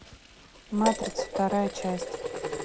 матрица вторая часть